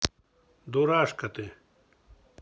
дурашка ты